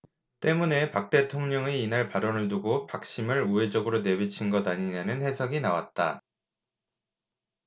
때문에 박 대통령의 이날 발언을 두고 박심 을 우회적으로 내비친 것 아니냐는 해석이 나왔다